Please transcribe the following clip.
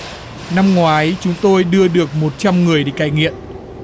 năm ngoái chúng tôi đưa được một trăm người cai nghiện